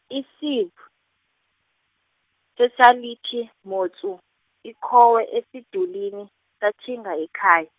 isib, sesalithi motsu, ikhowe esidulini, satjhinga ekhaya.